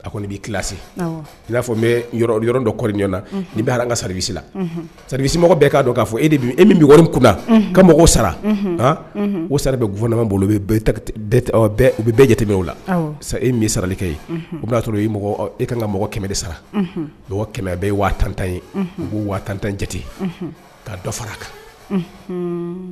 A ko kɔni b'i kilasi i'a fɔ n bɛ yɔrɔ dɔ kɔrɔ ɲɔgɔn na n'i bɛ an ka sakisi la sakisimɔgɔ bɛɛ k'a dɔn'a fɔ e min kun ka mɔgɔw sara o sara bɛ g bolo u u bɛ bɛɛ jate o la sa e min saralikɛ ye ua i e ka ka mɔgɔ kɛmɛmɛ de sara dɔgɔ kɛmɛ bɛɛ ye waa tan tan ye u b' wa tan tan jate ka dɔ fara a kan